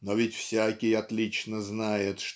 Но ведь всякий отлично знает